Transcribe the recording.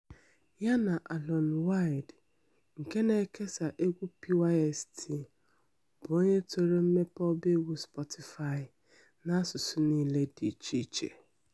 Ya na Alun Llwyd nke na-ekesa egwu PYST, bụ onye toro mmepe ọbáegwu Spotify n'asụsụ niile dị iche iche.